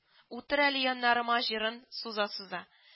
Утыр әле, яннарыма җырын суза-суза